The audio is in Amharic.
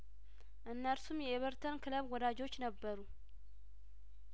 እነርሱም የኤቨርተን ክለብ ወዳጆች ነበሩ